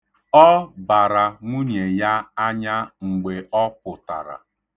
Ọ bara nwunye ya anya mgbe ọ pụtara.